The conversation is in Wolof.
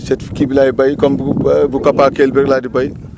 certif kii bi laay béy comme bu bu COPACEL bi rek laa di béy